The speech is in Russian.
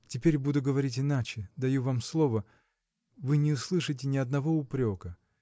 Теперь буду говорить иначе, даю вам слово вы не услышите ни одного упрека.